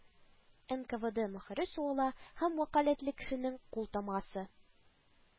НКВД мөһере сугыла һәм вәкаләтле кешенең култамгасы